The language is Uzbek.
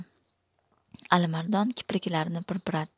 alimardon kipriklarini pirpiratdi